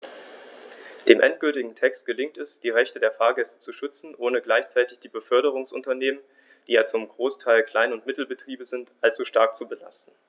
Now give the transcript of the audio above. Dem endgültigen Text gelingt es, die Rechte der Fahrgäste zu schützen, ohne gleichzeitig die Beförderungsunternehmen - die ja zum Großteil Klein- und Mittelbetriebe sind - allzu stark zu belasten.